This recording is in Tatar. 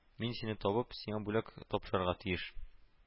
Мин сине табып, сиңа бүләк тапшырырга тиеш